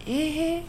Eeh